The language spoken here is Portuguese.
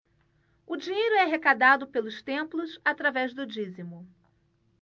o dinheiro é arrecadado pelos templos através do dízimo